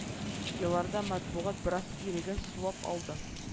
Елларда матбугат бераз иреген сулап алды